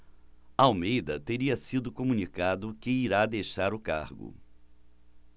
almeida teria sido comunicado que irá deixar o cargo